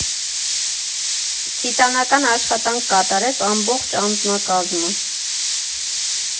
Տիտանական աշխատանք կատարեց ամբողջ անձնակազմը։